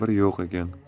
bir yo'q ekan